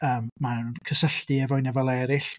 Yy mae o'n cysylltu efo ei nofelau eraill.